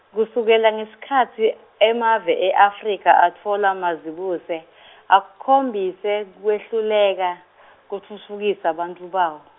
kusukela ngesikhatsi, emave e-Afrika atfola mazibuse , akhombise kwehluleka , kutfutfukisa bantfu bawo.